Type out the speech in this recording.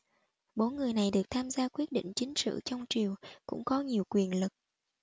bốn người này được tham gia quyết định chính sự trong triều cũng có nhiều quyền lực